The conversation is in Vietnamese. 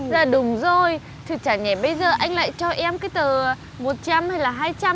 dạ đúng rồi thế chả lẽ bây giờ anh lại cho em cái tờ một trăm hay là hai trăm